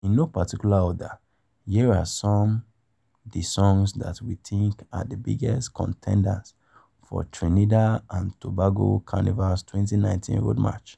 In no particular order, here are some the songs that we think are the biggest contenders for Trinidad and Tobago Carnival's 2019 Road March...